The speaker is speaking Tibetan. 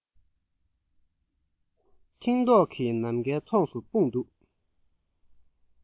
མཐིང མདོག གི ནམ མཁའི མཐོངས སུ སྤུངས འདུག